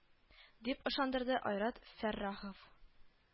Дип ышандырды айрат фәррахов